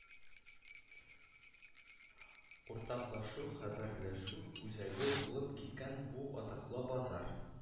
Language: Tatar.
Уртаклашу, хәбәрләшү үзәге булып киткән бу атаклы базар